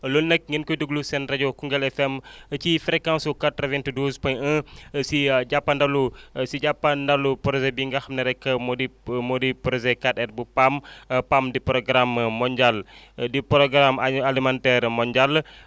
loolu nag ngeen koy déglu seen rajo Koungheul FM ci fréquence su 92 point 1 si jàppandalu si jàppandalu projet bii nga xam ne rek moo di moo di projet 4R bu PAM PAM di programme mondial di programme alimentaire mondial